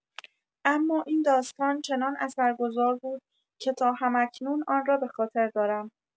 اما این داستان چنان اثرگذار بود که تا هم‌اکنون آن را به‌خاطر دارم.